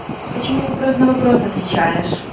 ты почему вопрос на вопрос отвечаешь